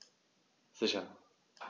Sicher.